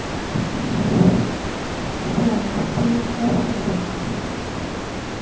фломастеры раскраска